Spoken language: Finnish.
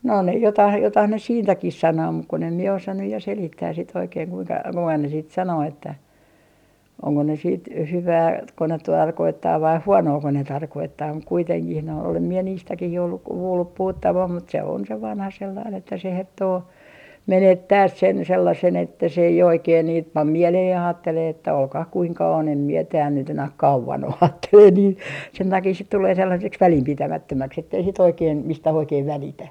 no ne jotakin jotakin ne siitäkin sanoo mutta kun en minä osaa nyt ja selittää sitten oikein kuinka kuinka ne sitten sanoo että onko ne sitten - hyvääkö ne tarkoittaa vai huonoako ne tarkoittaa mutta kuitenkin noin olen minä niistäkin jo ollut kuullut puhuttavan mutta se on se vanha sellainen että se herttoo menettää sen sellaisen että se ei oikein niitä pane mieleen ja ajattelee että olkoon kuinka on en minä täällä nyt enää kauan ole ajattelee niin sen takia sitten tulee sellaiseksi välinpitämättömäksi että ei sitten oikein mistään oikein välitä